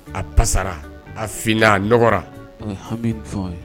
A pasara a fna a nɔgɔmi